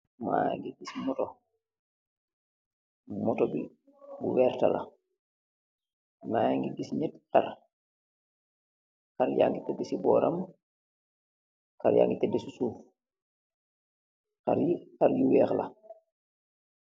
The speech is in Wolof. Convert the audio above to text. Magi giss moto moto bi bu wertah la magi giss nett xarr xarr yagi teda si boram xarr yagi teda si suf xarr yi xarr yu weex la.